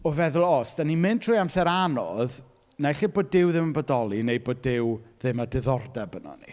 O feddwl, o, os dan ni'n mynd trwy amser anodd, naill ai bod Duw ddim yn bodoli neu bod Duw ddim â diddordeb ynom ni.